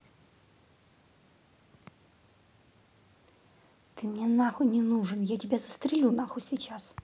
ты мне нахуй не нужен я тебя застрелю нахуй сразу